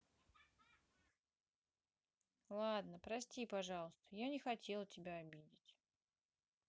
ладно прости пожалуйста я не хотела тебя обидеть